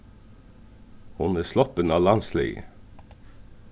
hon er sloppin á landsliðið